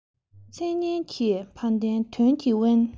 མཚན སྙན གྱི བ དན དོན གྱིས དབེན